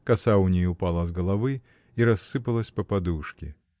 Коса у ней упала с головы и рассыпалась по подушке.